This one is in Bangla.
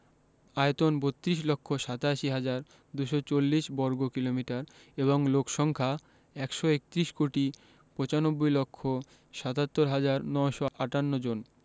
আয়তন ৩২ লক্ষ ৮৭ হাজার ২৪০ বর্গ কিমি এবং লোক সংখ্যা ১৩১ কোটি ৯৫ লক্ষ ৭৭ হাজার ৯৫৮ জন